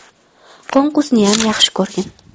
qonqusniyam yaxshi ko'rgin